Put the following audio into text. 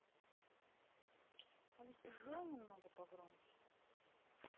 алиса сделай немного погромче